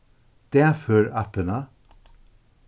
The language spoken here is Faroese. dagfør appina